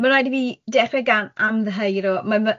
Ma' raid i fi dechrau gan amddiheuro. Mae ma-